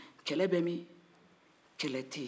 kɛlɛ bɛ min kɛlɛ tɛ yen